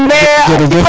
jerejef